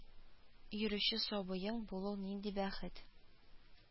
Йөрүче сабыең булу нинди бәхет